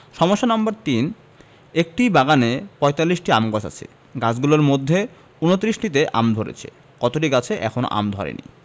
সমস্যা নাম্বার ৩ একটি বাগানে ৪৫টি আম গাছ আছে গাছগুলোর মধ্যে ২৯টিতে আম ধরেছে কতটি গাছে এখনও আম ধরেনি